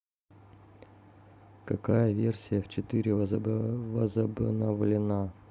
какая версия в четыре возобновление